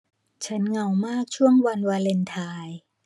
ฉันเหงามากช่วงวันวาเลนไทน์